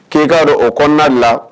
K'ekaa don o kɔnɔna la